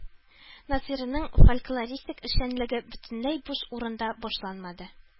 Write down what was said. Насыйриның фольклористик эшчәнлеге бөтенләй буш урында башланмады